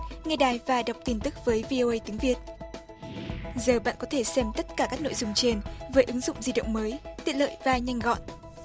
nghe đài và đọc tin tức với vi ô ây tiếng việt giờ bạn có thể xem tất cả các nội dung trên với ứng dụng di động mới tiện lợi và nhanh gọn